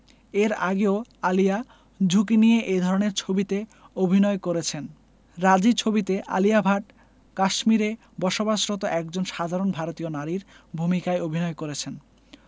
এর আগেও আলিয়া ঝুঁকি নিয়ে এ ধরনের ছবিতে অভিনয় করেছেন রাজী ছবিতে আলিয়া ভাট কাশ্মীরে বসবাসরত একজন সাধারন ভারতীয় নারীর ভূমিকায় অভিনয় করেছেন